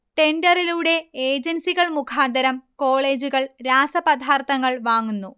ടെൻഡറിലൂടെ ഏജൻസികൾ മുഖാന്തരം കോളേജുകൾ രാസപദാർത്ഥങ്ങൾ വാങ്ങുന്നു